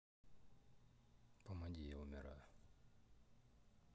помоги я умираю